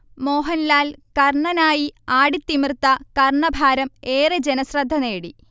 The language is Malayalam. മോഹൻലാൽ കർണനായി ആടിത്തിമിർത്ത കർണഭാരം ഏറെ ജനശ്രദ്ധ നേടി